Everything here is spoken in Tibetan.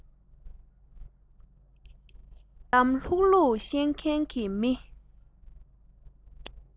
རང གཏམ ལྷུག ལྷུག བཤད མཁན གྱི མི